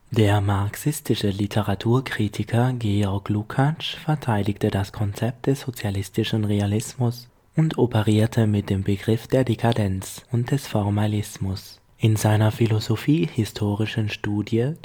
Der marxistische Literaturtheoretiker George Lukács verteidigte das Konzept des Sozialistischen Realismus und operierte mit dem Begriff der Dekadenz (und des Formalismus). In seiner philosophiehistorischen Studie